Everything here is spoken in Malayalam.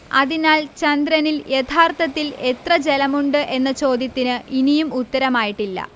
അതിനാൽ ചന്ദ്രനിൽ യഥാർത്ഥത്തിൽ എത്ര ജലമുണ്ട് എന്ന ചോദ്യത്തിന് ഇനിയും ഉത്തരമായിട്ടില്ല